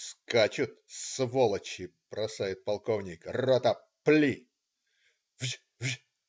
"Скачут, сволочи,- бросает полковник,- рота - пли". Вж. вж.